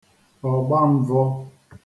ogbamvọ